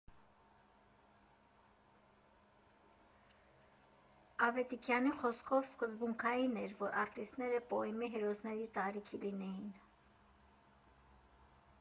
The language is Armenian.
Ավետիքյանի խոսքով՝ սկզբունքային էր, որ արտիստները պոեմի հերոսների տարիքի լինեին։